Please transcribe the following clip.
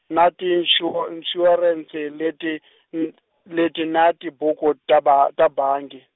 na tiinxu- -nxuwarense leti n- leti na ti buku ta ba, ta bangi.